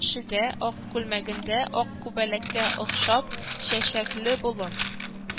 Шидә, ак күлмәгендә ак күбәләккә охшап, чәчәкле болын